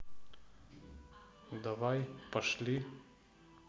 давай пошли